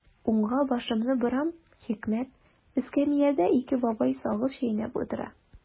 Уңга башымны борам– хикмәт: эскәмиядә ике бабай сагыз чәйнәп утыра.